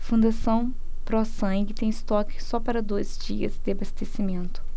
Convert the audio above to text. fundação pró sangue tem estoque só para dois dias de abastecimento